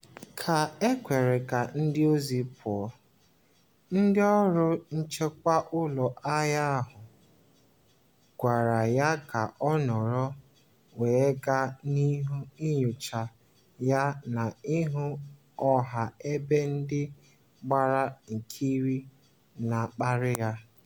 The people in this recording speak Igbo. Ka e kwere ka ndị ọzọ pụọ, ndị ọrụ nchekwa ụlọ ahịa ahụ gwara ya ka ọ nọrọ wee gaa n’ihu inyocha ya n’ihu ọha ebe ndị gbara nkiri na-akparị ya.